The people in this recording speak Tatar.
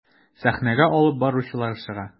Сәхнәгә алып баручылар чыга.